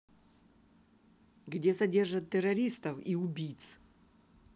где содержат террористов и убийц